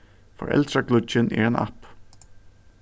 foreldragluggin er ein app